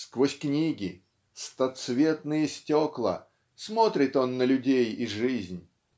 Сквозь книги, "стоцветные стекла", смотрит он на людей и жизнь